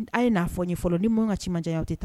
A' ye'a fɔ ɲɛfɔ fɔlɔ ni mɔn ka ci diyaya tɛ ta